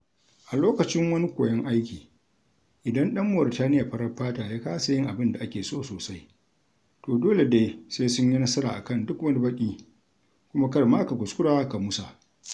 A lokacin wani koyon aiki, idan ɗan Mauritaniya farar fata ya kasa yin abin da ake so sosai, to dole dai sai sun yi nasara a kan duk wani baƙi. Kuma kar ma ka kuskura ka musa…